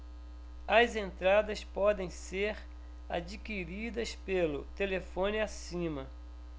as entradas podem ser adquiridas pelo telefone acima